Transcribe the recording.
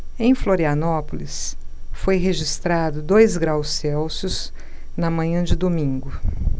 em florianópolis foi registrado dois graus celsius na manhã de domingo